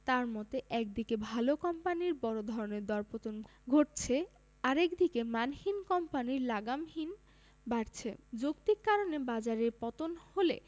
তাঁর মতে একদিকে ভালো কোম্পানির বড় ধরনের দরপতন ঘটছে আরেক দিকে মানহীন কোম্পানির লাগামহীন বাড়ছে যৌক্তিক কারণে বাজারে পতন হলে